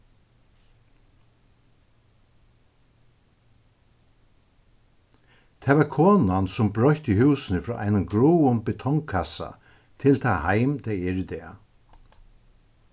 tað var konan sum broytti húsini frá einum gráum betongkassa til tað heim tað er í dag